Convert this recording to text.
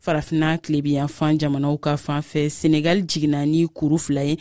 farafinna tilebinyanfan jamanaw ka fanfɛ senegali jiginna ni kuru fila ye